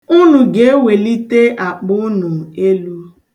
Unu ga-ewelite akpa unu elu.